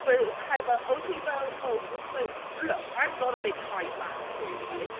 Oedd Kye fel... odd hi fel "oh you're so"...look, I'm not a big Kye fan at all right.